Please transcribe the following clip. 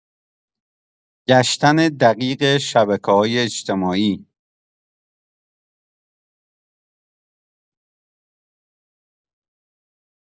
گشتن دقیق شبکه‌های اجتماعی